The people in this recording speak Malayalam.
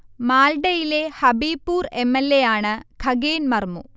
മാൽഡയിലെ ഹബീബ്പൂർ എം. എൽ. എ. യാണ് ഖഗേൻ മർമു